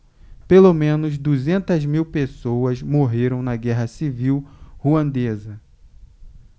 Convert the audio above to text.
pelo menos duzentas mil pessoas morreram na guerra civil ruandesa